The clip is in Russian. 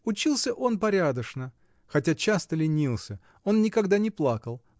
Учился он порядочно, хотя часто ленился он никогда не плакал